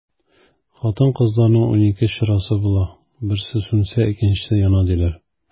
Хатын-кызларның унике чырасы була, берсе сүнсә, икенчесе яна, диләр.